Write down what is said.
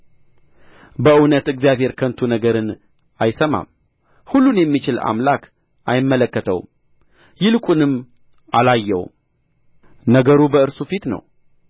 በእውነት እግዚአብሔር ከንቱ ነገርን አይሰማም ሁሉን የሚችል አምላክም አይመለከተውም ይልቁንም አላየውም ነገሩ በእርሱ ፊት ነው